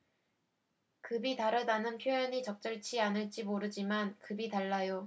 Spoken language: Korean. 급이 다르다는 표현이 적절치 않을지 모르지만 급이 달라요